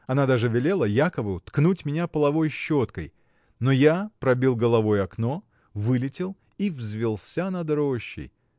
Она даже велела Якову ткнуть меня половой щеткой, но я пробил головой окно, вылетел и взвился над рощей.